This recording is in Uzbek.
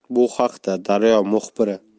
bu haqda daryo muxbiri